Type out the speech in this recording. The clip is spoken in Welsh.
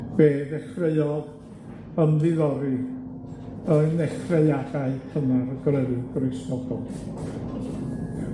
fe ddechreuodd ymddiddori yn nechreuadau cynnar y Grefydd Gristnogol.